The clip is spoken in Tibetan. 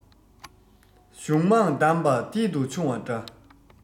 གཞུང མང གདམས པ མཐིལ དུ ཕྱུང བ འདྲ